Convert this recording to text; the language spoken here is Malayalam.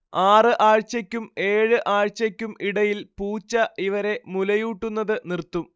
ആറ് ആഴ്ചയ്ക്കും ഏഴ് ആഴ്ചയ്ക്കും ഇടയിൽ പൂച്ച ഇവരെ മുലയൂട്ടുന്നത് നിർത്തും